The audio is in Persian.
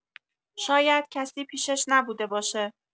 شاید کسی پیشش نبوده باشه